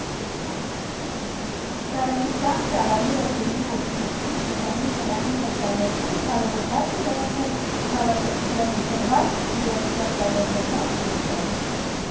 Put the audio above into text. Տարածության, ծավալի և գույնի ասիմետրիկ դիզայնի խելամիտ օգտագործումը կարող է կայքը դարձնել հավասարակշռված և ստեղծագործական շունչ տալ։